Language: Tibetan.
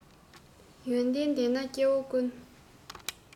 ཡོན ཏན ལྡན ན སྐྱེ བོ ཀུན